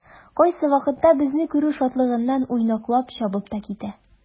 Кайсы вакытта безне күрү шатлыгыннан уйнаклап чабып та китә.